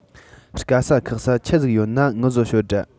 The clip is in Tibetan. དཀའ ས ཁག ས ཆི ཟིག ཡོད ན ངུ བཟོ ཤོད དྲ